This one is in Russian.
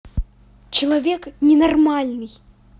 человек ненормальный